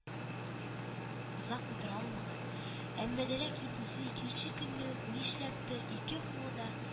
Озак утыра алмаган, әмма дә ләкин үзе, икенче көнне үк нишләптер ике кулы да